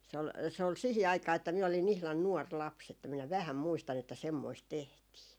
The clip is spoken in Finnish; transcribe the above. se oli se oli siihen aikaan että minä olin ihan nuori lapsi että minä vähän muistan että semmoista tehtiin